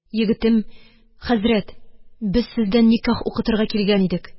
Егетем: – Хәзрәт, без сездән никях укытырга дип килгән идек.